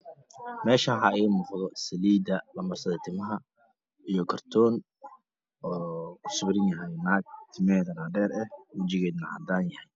Meeshan waxaa iga muuqdo saliidda lamarsado timaha iyo kartoon oo kusawiran tahay naag timeheeda dhaadheer eh wajigeedana cadaanyahay